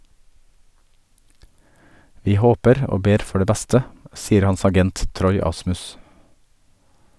- Vi håper og ber for det beste, sier hans agent Troy Asmus.